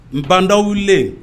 N banda wili